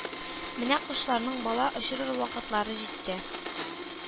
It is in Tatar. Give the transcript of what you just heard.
Менә кошларның бала очырыр вакытлары җитте.